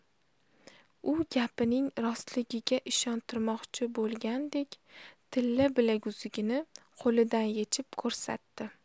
u gapining rostligiga ishontirmoqchi bo'lgandek tilla bilaguzugini qo'lidan yechib ko'rsatdi